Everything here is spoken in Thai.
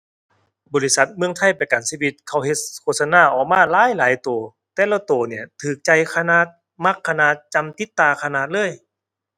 บริษัทเมืองไทยประกันชีวิตเขาเฮ็ดโฆษณาออกมาหลายหลายตัว แต่ละตัวเนี่ยตัวใจขนาด มักขนาด จำติดตาขนาดเลย